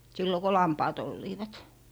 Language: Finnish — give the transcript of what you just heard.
silloin kun lampaat olivat